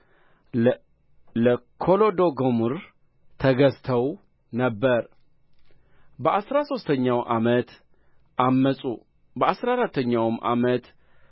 ለኮሎዶጎምር ተገዝተው ነበር በአሥራ ሦስተኛውም ዓመት ዐመፁ በአሥራ አራተኛውም ዓመት